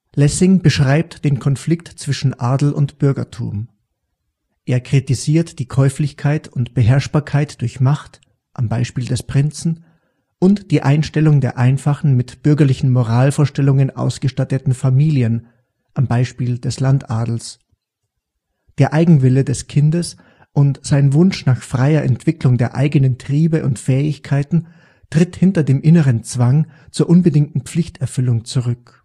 Lessing beschreibt den Konflikt zwischen Adel und Bürgertum. Er kritisiert die Käuflichkeit und Beherrschbarkeit durch Macht (am Beispiel des Prinzen) und die Einstellung der einfachen, mit bürgerlichen Moralvorstellungen ausgestatteten Familien (am Beispiel des Landadels): der Eigenwille des Kindes und sein Wunsch nach freier Entwicklung der eigenen Triebe und Fähigkeiten tritt hinter dem inneren Zwang zur unbedingten Pflichterfüllung zurück